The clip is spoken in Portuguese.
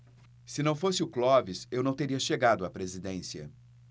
se não fosse o clóvis eu não teria chegado à presidência